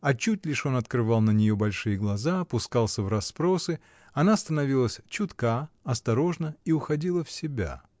А чуть лишь он открывал на нее большие глаза, пускался в расспросы, она становилась чутка, осторожна и уходила в себя.